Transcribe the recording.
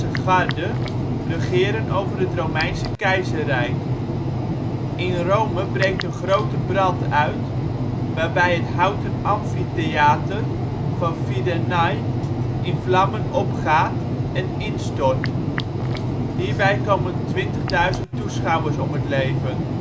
Garde, regeren over het Romeinse Keizerrijk. In Rome breekt een grote brand uit, waarbij het houten amfitheater van Fidenae in vlammen opgaat en instort. Hierbij komen 20.000 toeschouwers om het leven